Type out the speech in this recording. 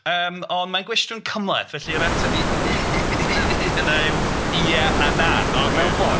Yym ond mae'n gwestiwn cymhleth, felly yr ateb i i hynna yw ie a na... ocê. ....mewn ffordd.